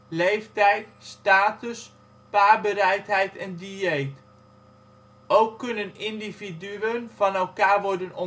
leeftijd, status, paarbereidheid en dieet. Ook kunnen individuen van elkaar worden onderscheiden